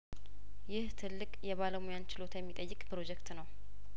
ይህ ትልቅ የባለሙያን ችሎታ የሚጠይቅ ፕሮጀክት ነው